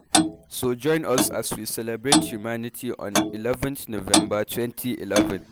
So join us as we celebrate humanity on 11/11/11.